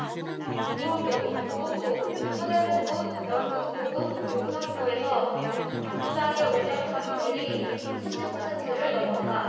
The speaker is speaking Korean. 구로구 도봉구 서대문구 영등포구 용산구에서 당구장의 오 년 생존율이 칠십 퍼센트를 넘었다